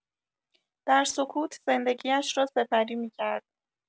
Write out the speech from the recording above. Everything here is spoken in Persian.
در سکوت زندگی‌اش را سپری می‌کرد.